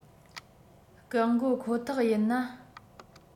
སྐག འགོ ཁོ ཐག ཡིན ན